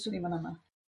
'swni'm yn ama'.